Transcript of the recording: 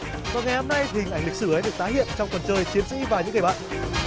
và ngày hôm nay thì hình ảnh lịch sử ấy được tái hiện trong phần chơi chiến sĩ và những người bạn